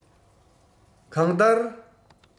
གང ལྟར